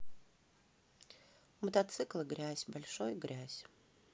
мотоциклы грязь большой грязь